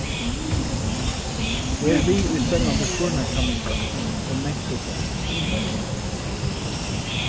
ver við í spennandi spurnakanningum um mangt og hvat